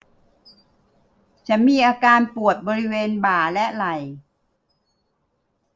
ฉันมีอาการปวดบริเวณบ่าและไหล่